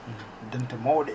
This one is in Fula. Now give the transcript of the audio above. dente mawɗe